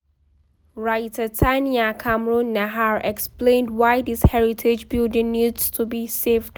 Writer Tania Kamrun Nahar explained why this heritage building needed to be saved: